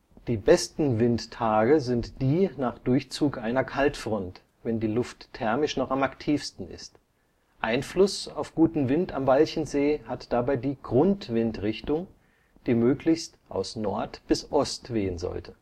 Die besten Windtage sind die nach Durchzug einer Kaltfront, wenn die Luft thermisch noch am aktivsten ist. Einfluss auf guten Wind am Walchensee hat dabei die Grundwindrichtung, die möglichst aus Nord bis Ost wehen sollte